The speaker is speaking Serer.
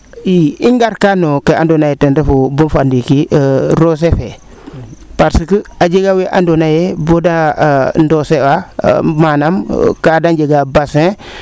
i i nd=gar kaa no ke ando naye ten refu bo fa ndiiki roose fe parce que a jega wee ando naye boo de ndoose a manaam kaa de njega bassin